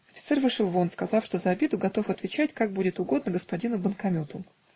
Офицер вышел вон, сказав, что за обиду готов отвечать, как будет угодно господину банкомету.